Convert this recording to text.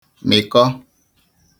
mị̀kọ